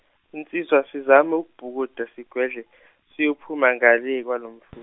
nsizwa asizame ukubhukuda sigwedle, siyophuma ngale kwalo mfu-.